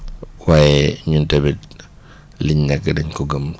waaye ñun tamit liñ nekk dañ ko gëm